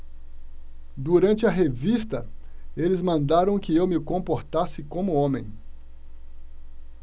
durante a revista eles mandaram que eu me comportasse como homem